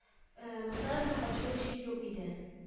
Ээ мохтаровның ачуы чик юк иде